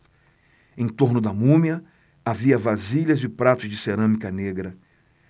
em torno da múmia havia vasilhas e pratos de cerâmica negra